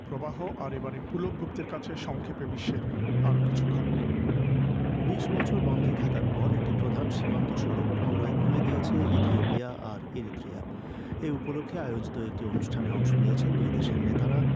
প্রবাহ আর এবারের পুলক গুপ্তের কাছে সংক্ষেপে কিছু খবর ২০ বছর বন্ধ থাকার পর একটি প্রধান সীমান্ত সড়ক পুনরায় খুলে দিয়েছে ইথিওপিয়া আর এরিত্রিয়া এ উপলক্ষে আয়োজিত একটি অনুষ্ঠানে অংশ নিয়েছেন দুই দেশের নেতারা